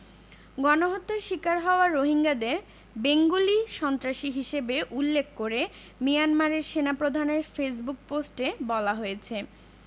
গণহত্যার শিকার হওয়া রোহিঙ্গাদের বেঙ্গলি সন্ত্রাসী হিসেবে উল্লেখ করে মিয়ানমারের সেনাপ্রধানের ফেসবুক পোস্টে বলা হয়েছে